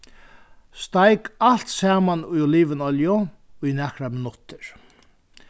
steik alt saman í olivinolju í nakrar minuttir